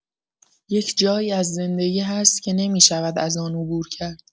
یک‌جایی از زندگی هست که نمی‌شود از آن عبور کرد.